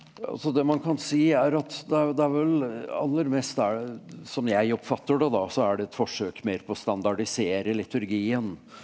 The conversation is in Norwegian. altså det man kan si er at det det er vel aller mest er det sånn jeg oppfatter det da så er det et forsøk mer på å standardisere liturgien.